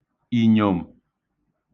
ìnyòm